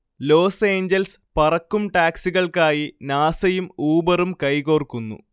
loss Angeles പറക്കും ടാക്സികൾക്കായി നാസയും ഊബറും കൈകോർക്കുന്നു